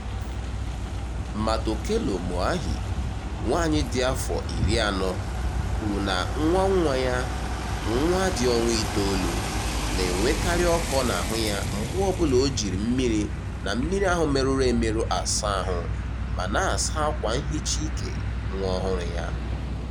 Matokelo Moahi, nwaanyị dị afọ 40, kwuru na nwa nwa ya, nwa dị ọnwa itoolu, na-enwekarị ọkọ n'ahụ ya mgbe ọbụla o jiri mmiri na mmiri ahụ merụrụ emerụ asa ahụ ma na-asa akwa nhicha ike nwa ọhụrụ ahụ.